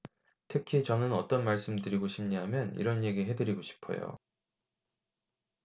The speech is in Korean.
특히 저는 어떤 말씀 드리고 싶냐하면 이런 얘기 해드리고 싶어요